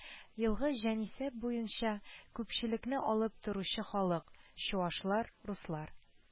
Елгы җанисәп буенча күпчелекне алып торучы халык: чуашлар, руслар